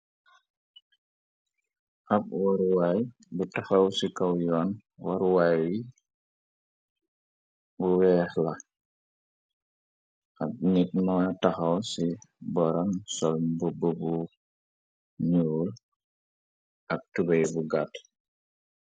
Ab waruwaay bi taxaw ci kaw yoon waruwaay yi bu weex la ak nit mo taxaw ci boram sol bu bëbu nuul ak tubey bu gatt.